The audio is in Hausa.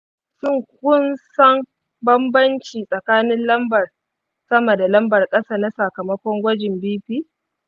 shin kun san bambanci tsakanin lambar-sama da lambar-ƙasa na sakamakon gwajin bp?